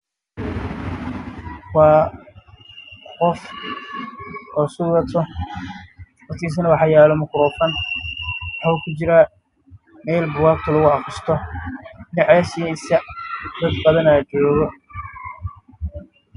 Waa niman meel fadhiyaan oo hool ah